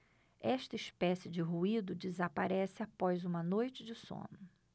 esta espécie de ruído desaparece após uma noite de sono